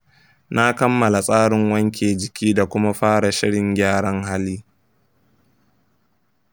na kammala tsarin wanke jiki da kuma fara shirin gyaran hali.